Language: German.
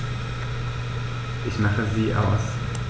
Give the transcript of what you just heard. Ich mache sie aus.